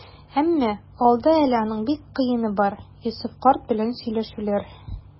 Әмма алда әле аның бик кыены бар - Йосыф карт белән сөйләшүләр.